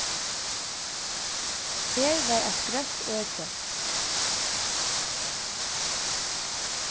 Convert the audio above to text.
her var eitt grønt øki